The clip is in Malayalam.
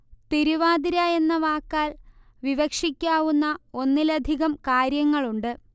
തിരുവാതിര എന്ന വാക്കാൽ വിവക്ഷിക്കാവുന്ന ഒന്നിലധികം കാര്യങ്ങളുണ്ട്